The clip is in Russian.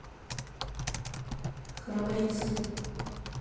храбрецы